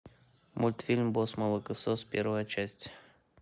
мультфильм босс молокосос первая часть